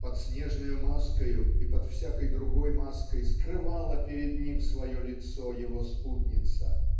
Под снежною маскою и под всякой другой маской скрывала перед ним свое лицо его спутница